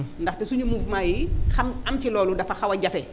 ndaxte sunu mouvements yii xam am ci loolu dafa xaw a jafe